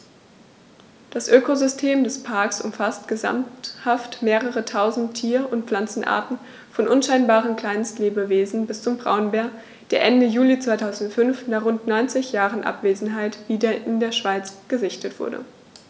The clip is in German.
Das Ökosystem des Parks umfasst gesamthaft mehrere tausend Tier- und Pflanzenarten, von unscheinbaren Kleinstlebewesen bis zum Braunbär, der Ende Juli 2005, nach rund 90 Jahren Abwesenheit, wieder in der Schweiz gesichtet wurde.